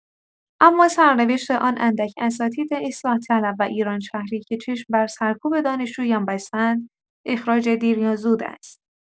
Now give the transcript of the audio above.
اما سرنوشت آن اندک اساتید اصلاحطلب و ایرانشهری که چشم بر سرکوب دانشجویان بستند اخراج دیر یا زود است.